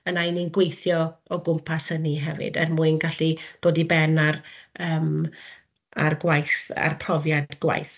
yna 'y ni'n gweithio o gwmpas hynny hefyd er mwyn gallu dod i ben a'r yym a'r gwaith, a'r profiad gwaith.